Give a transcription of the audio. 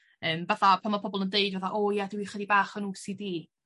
Yyn fatha pan ma' pobol yn deud fatha o ia dwi chydig bach yn ow si di.